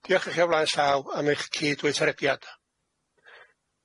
Diolch i chi o flaen llaw am eich cydweithrediad.